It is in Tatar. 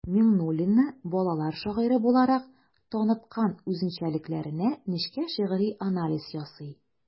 Миңнуллинны балалар шагыйре буларак таныткан үзенчәлекләренә нечкә шигъри анализ ясый.